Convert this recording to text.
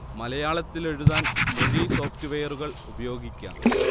മലയാളത്തിൽ എഴുതാൻ മൊഴി സോഫ്റ്റ്വെയറുകൾ ഉപയോഗിക്കാം